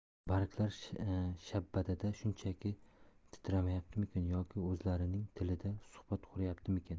barglar shabadada shunchaki titrayaptimikin yoki o'zlarining tilida suhbat quryaptimikin